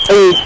i